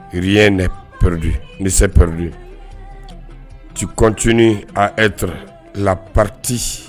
rien n'est perdut ne s'est perdui, u continue à etre la partie